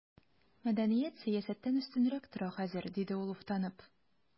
Мәдәният сәясәттән өстенрәк тора хәзер, диде ул уфтанып.